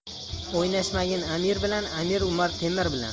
o'ynashmagin amir bilan amir urar temir bilan